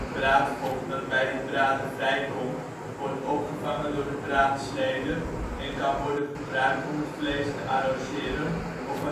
braadvocht dat bij het braden vrijkomt wordt opgevangen door de braadslede, en kan worden gebruikt om het vlees te arroseren of